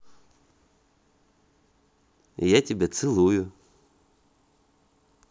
я тебя целую